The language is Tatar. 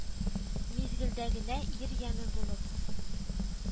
Мизгелдә генә ир яме булып